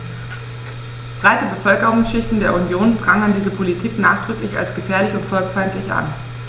Breite Bevölkerungsschichten der Union prangern diese Politik nachdrücklich als gefährlich und volksfeindlich an.